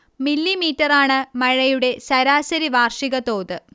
മില്ലീമീറ്ററാണ് മഴയുടെ ശരാശരി വാർഷിക തോത്